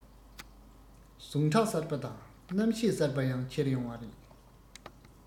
ཟུངས ཁྲག གསར པ དང རྣམ ཤེས གསར པ ཡང ཁྱེར ཡོང བ རེད